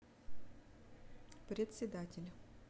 председатель